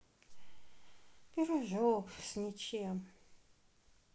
пирожок с ничем